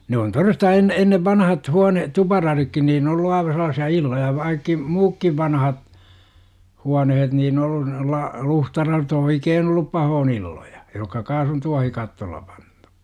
ne on todesta ennen ennen vanhaan huone tuparaditkin niin ollut aivan sellaisia illoja vaikka muutkin vanhat huoneet niin ollut noilla luhtaladot oikein - ollut pahoin illoja jotka kanssa on tuohikatteella pantu